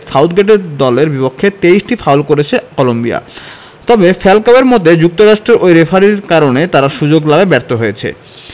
সাউথগেটের দলের বিপক্ষে ২৩টি ফাউল করেছে কলম্বিয়া তবে ফ্যালকাওয়ের মতে যুক্তরাষ্ট্রের ওই রেফারির কারণে তারা সুযোগ লাভে ব্যর্থ হয়েছে